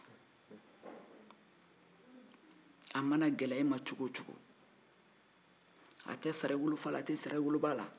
a mana gɛlɛya i ma cogo o cogo a tɛ sara i woloba la a tɛ sara i wolofa la